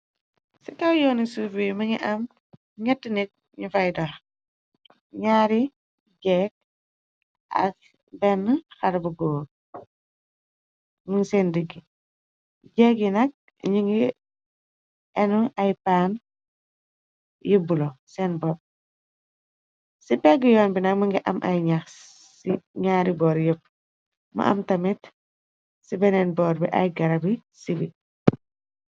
Ci kaw yooni suuf bi mingi am ñetti nit ñu fay dax, ñaari jeeg ak benn xale góor, mun seen diggi. Jéggyi nak ñi ngi inu ay paan yibbulo seen boppa, ci pegg yoon bi na mi ngi am ay ñax ci ñaari boor yépp , mu am tamit ci beneen boor bi ay garabi si bi.